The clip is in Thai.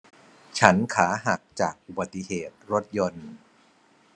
ฉันขาหักจากอุบัติเหตุรถยนต์